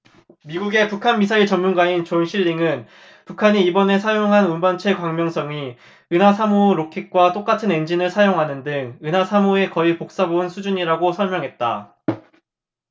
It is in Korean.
미국의 북한 미사일 전문가인 존 실링은 북한이 이번에 사용한 운반체 광명성이 은하 삼 호 로켓과 똑같은 엔진을 사용하는 등 은하 삼 호의 거의 복사본 수준이라고 설명했다